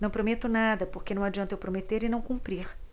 não prometo nada porque não adianta eu prometer e não cumprir